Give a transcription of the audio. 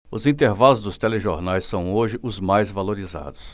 os intervalos dos telejornais são hoje os mais valorizados